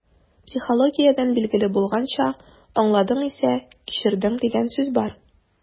Психологиядән билгеле булганча, «аңладың исә - кичердең» дигән сүз бар.